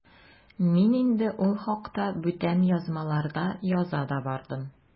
Мин инде ул хакта бүтән язмаларда яза да бардым.